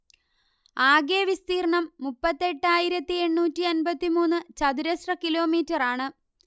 ആകെ വിസ്തീർണ്ണം മുപ്പത്തിയെട്ടായിരത്തിയെണ്ണൂറ്റിയമ്പത്തിമൂന്ന് ചതുരശ്ര കിലോമീറ്ററാണ്